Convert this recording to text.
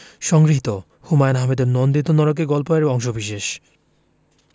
সংগৃহীত হুমায়ুন আহমেদের নন্দিত নরকে গল্প এর অংশবিশেষ